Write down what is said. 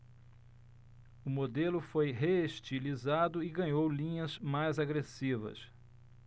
o modelo foi reestilizado e ganhou linhas mais agressivas